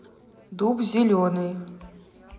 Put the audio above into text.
дуб зеленый